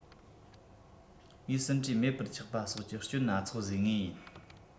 ངའི ཟིན བྲིས མེད པར ཆགས པ སོགས ཀྱི སྐྱོན སྣ ཚོགས བཟོས ངེས ཡིན